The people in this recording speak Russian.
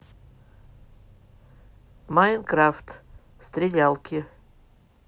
майнкрафт стрелялки